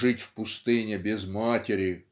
жить в пустыне без матери